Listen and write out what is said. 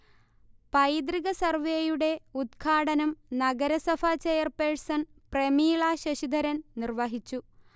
പൈതൃക സർവേയുടെ ഉദ്ഘാടനം നഗരസഭാചെയർപേഴ്സൺ പ്രമീള ശശിധരൻ നിർവഹിച്ചു